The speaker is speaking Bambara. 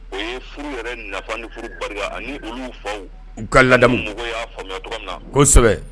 U ye furu yɛrɛ nafa ni ani u ka ladamu kosɛbɛ